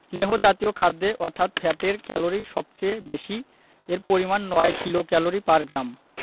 স্নেহ জাতীয় খাদ্যে অর্থাৎ ফ্যাটের ক্যালরি সবচেয়ে বেশি এর পরিমান ৯ কিলোক্যালরি পার গ্রাম